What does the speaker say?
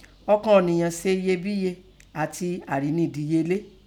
Ọkàn ọ̀niyan se eyebiye ati arinidiyele.